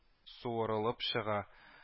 Суырылып чыга